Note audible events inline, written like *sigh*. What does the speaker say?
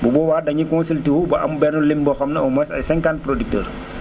bu boobaa dañuy consulté wu ba am benn lim boo xam ne au moins ay 50 producteurs *noise*